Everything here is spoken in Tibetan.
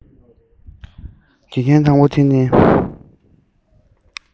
དགེ རྒན དང པོ དེ ནི ཕ མ ཡིན